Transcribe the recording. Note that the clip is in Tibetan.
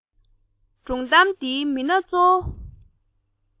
སྒྲུང འདིའི མི སྣ གཙོ བོ